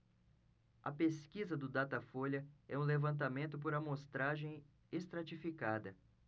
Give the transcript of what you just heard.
a pesquisa do datafolha é um levantamento por amostragem estratificada